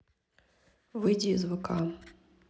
выйти из вк